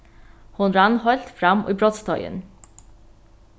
hon rann heilt fram í brotsteigin